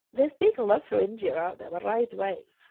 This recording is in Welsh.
There's big love for India out there ma' rhaid dweud.